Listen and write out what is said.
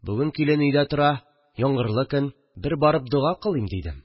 Бүген килен өйдә тора, яңгырлы көн, бер барып дога кылыйм, дидем